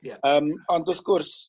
Ia. Yym ond wrth gwrs